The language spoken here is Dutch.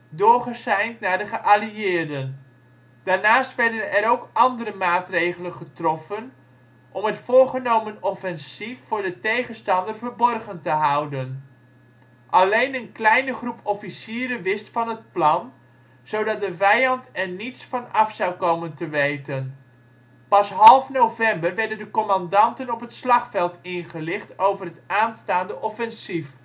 doorgeseind naar de geallieerden. Daarnaast werden er ook andere maatregelen getroffen om het voorgenomen offensief voor de tegenstander verborgen te houden. Alleen een kleine groep officieren wist van het plan, zodat de vijand er niets vanaf zou komen te weten. Pas half november werden de commandanten op het slagveld ingelicht over het aanstaande offensief